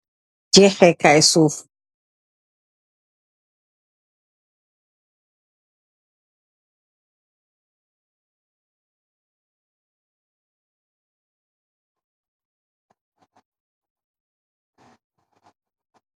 Jay xeeh kay suuf.